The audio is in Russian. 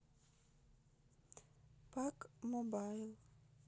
пак мобайл